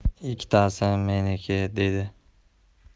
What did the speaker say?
ikkitasi meniki dedi